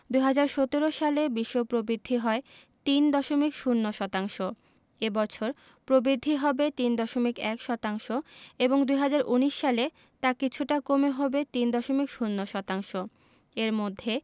২০১৭ সালে বিশ্ব প্রবৃদ্ধি হয় ৩.০ শতাংশ এ বছর প্রবৃদ্ধি হবে ৩.১ শতাংশ এবং ২০১৯ সালে তা কিছুটা কমে হবে ৩.০ শতাংশ এর মধ্যে